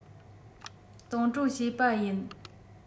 གཏོང སྤྲོད བྱེད པ ཡིན